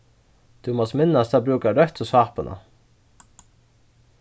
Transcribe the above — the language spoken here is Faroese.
tú mást minnast at brúka røttu sápuna